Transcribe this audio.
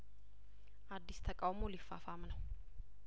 አዲስ ተቃውሞ ሊፋፋም ነው